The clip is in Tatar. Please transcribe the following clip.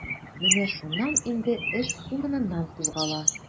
Менә шуннан инде эш урыныннан кузгала.